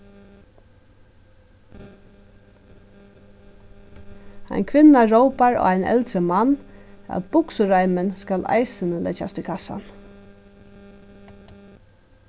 ein kvinna rópar á ein eldri mann at buksureimin skal eisini leggjast í kassan